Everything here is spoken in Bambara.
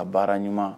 A baara ɲuman